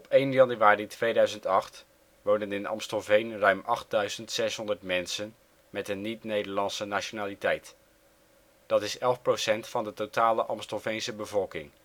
1 januari 2008 woonden in Amstelveen ruim 8.600 mensen met een niet Nederlandse nationaliteit. Dat is 11 % van de totale Amstelveense bevolking